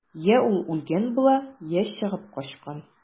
Йә ул үлгән була, йә чыгып качкан.